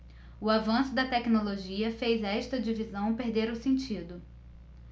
o avanço da tecnologia fez esta divisão perder o sentido